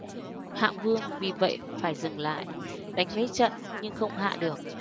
hạng vương vì vậy phải dừng lại đánh mấy trận nhưng không hạ được